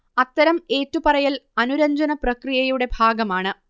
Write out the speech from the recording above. അത്തരം ഏറ്റുപറയൽ അനുരഞ്ജനപ്രക്രിയയുടെ ഭാഗമാണ്